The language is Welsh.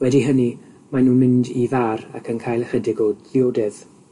Wedi hynny, mae nhw'n mynd i far ac yn cael ychydig o ddiodydd.